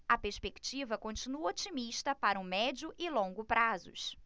a perspectiva continua otimista para o médio e longo prazos